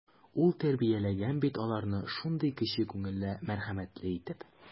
Ул тәрбияләгән бит аларны шундый кече күңелле, мәрхәмәтле итеп.